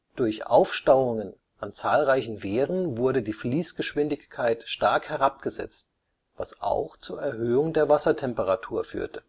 Durch Aufstauungen an zahlreichen Wehren wurde die Fließgeschwindigkeit stark herabgesetzt, was auch zur Erhöhung der Wassertemperatur führte